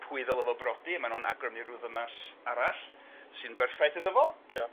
Pwy ddyla fo br'odi? Ma' nw'n awgrymu ryw ddynas arall sy'n berffaith iddo fo. Ia.